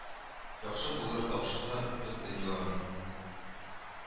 Яхшы булыр тапшырсак без дөньяларны